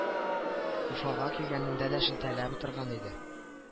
Уфага килгәнендә дә шелтәләп утырган иде